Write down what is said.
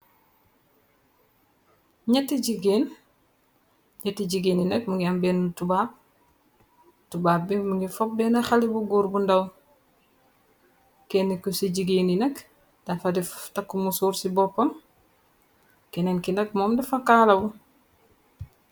Nyetti jigeen yi nak mu ngi am benn tubaab bi mu ngi fop benn xali bu góor bu ndaw kenni ko ci jigeeni nakdafa di takumu sóor ci boppam kenneen ki nak moom dafa kaalawu.